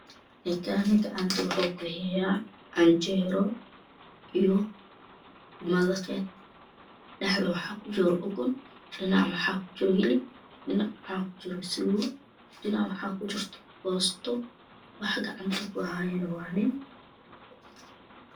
Nin kaan gacanta wuxu ku haaya canjeero iyo maraqed dhaxda waxa ugu jiro waa ukun dhinac waxa ugu jiro hilib dhinac waxa ugu jiro sugo dhican waxa igu jiro kosto waxa gacanta ku haayo waa nin